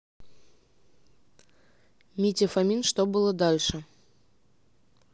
митя фомин что было дальше